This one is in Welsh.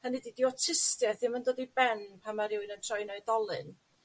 Hynny 'di 'di awtistiaeth ddim yn dod i ben pan ma' rywun yn troi'n oedolyn.